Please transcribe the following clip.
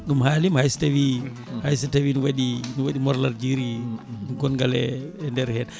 ɗum haalima hayso tawi hayso tawi ne waɗi ne waɗi morlal jeeri gongal e e nder hen